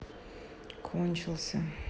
кончился